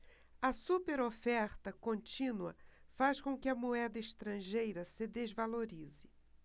a superoferta contínua faz com que a moeda estrangeira se desvalorize